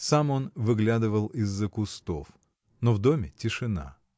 Сам он выглядывал из-за кустов. Но в доме — тишина.